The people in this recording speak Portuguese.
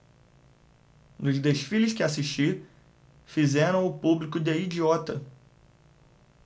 nos desfiles que assisti fizeram o público de idiota